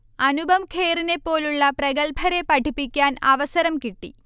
അനുപം ഖേറിനെപ്പോലുള്ള പ്രഗല്ഭരെ പഠിപ്പിക്കാൻ അവസരം കിട്ടി